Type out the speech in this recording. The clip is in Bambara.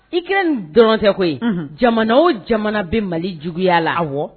I kɛ n dɔrɔn tɛ ko yen jamana o jamana bɛ mali juguyaya la wa